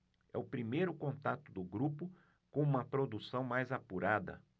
é o primeiro contato do grupo com uma produção mais apurada